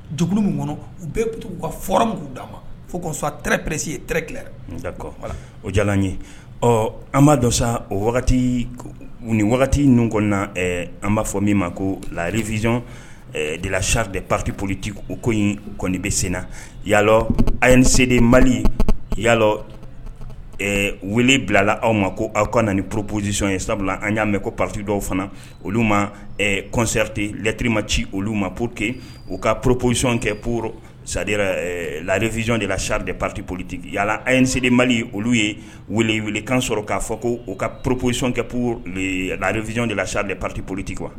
Dugu min kɔnɔ u bɛ ka f d'a ma fofare presi ye treti o jala ye ɔ an b'a dɔ sa o wagati ni wagati ninnu kɔnɔna na an b'a fɔ min ma ko layirifiz dela sari de paritipoliti u ko in kɔnɔni bɛ senna yalɔ an yese mali ya weleele bila aw ma ko aw ka na ni purpzsiy ye sabu an y'a mɛn ko p pariti dɔw fana olu ma kɔnsɛrite lɛttiririma ci olu ma purte u ka pposion kɛ puroro sadi laarefazy dela saridi pati poliurte yala yeseere mali olu ye weleelekan sɔrɔ k'a fɔ ko u ka purpzsike pur laarezyɔn dela saharid pariti politeti kuwa